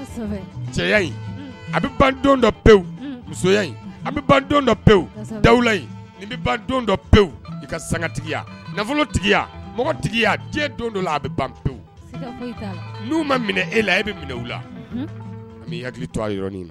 Cɛ bɛ ban dɔ pewu muso ban don dɔ pewu dawu don dɔ pewu i ka san tigiya nafolo tigi mɔgɔ tigi don dɔ a bɛ ban pewu n'u ma minɛ e la e bɛ minɛ la' hakili to yɔrɔ la